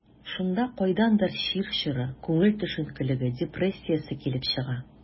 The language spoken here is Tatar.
Шунда кайдандыр чир чоры, күңел төшенкелеге, депрессиясе килеп чыга.